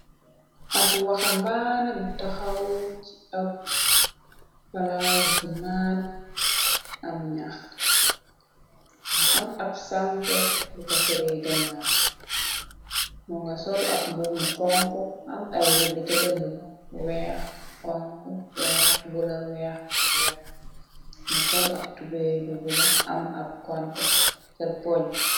ab waxambaane bu taxaw ci ab palas bu naat am njax mu am ab sanke bu ko fëree gennaw monga sol ab mbubu xonxu am ay rade cah daneba weex xonx weex bu la weex ak wert munga sol ab tubeye bu njuol bula am ab konte cahpoch ba